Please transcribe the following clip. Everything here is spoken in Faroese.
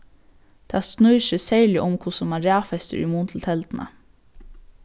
tað snýr seg serliga um hvussu man raðfestir í mun til telduna